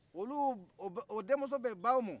olu o denmuso bɛ yen ba umu